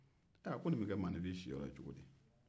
a ko ni bɛ kɛ maaninfin siyɔrɔ ye cogo di